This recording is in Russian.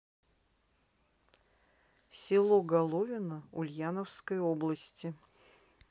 село головино ульяновской области